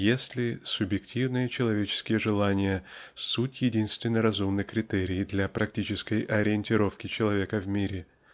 если субъективные человеческие желания суть единственный разумный критерий для практической ориентировки человека в мире